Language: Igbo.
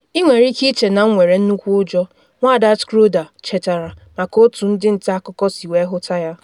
“Ị nwere ike ịche na m nwere nnukwu ụjọ,” Nwada Schroeder chetara maka otu ndị nta akụkọ si wee hụta ya.